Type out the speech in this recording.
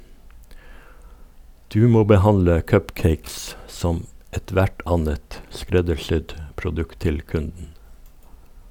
Du må behandle cupcakes som ethvert annet skreddersydd produkt til kunden.